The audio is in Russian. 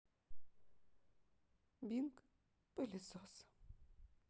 бинг пылесос